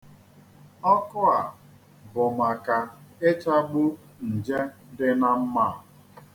Ọkụ a bụ maka ịchagbu nje dị na mma a.